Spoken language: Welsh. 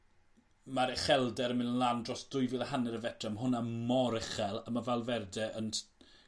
ma'r uchelder yn myn' lan dros dwy fil a hanner o fetre ma' hwnna mor uchel a ma' Valverde yn s-